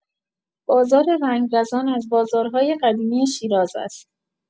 بازار رنگرزان از بازارهای قدیمی شیراز است.